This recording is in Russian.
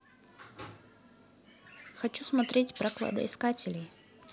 хочу смотреть про кладоискателей